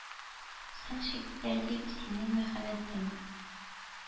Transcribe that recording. «соң чиктә, дип, синең мәхәббәтең